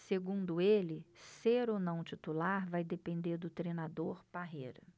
segundo ele ser ou não titular vai depender do treinador parreira